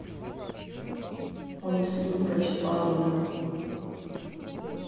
мультфильм про чиполлино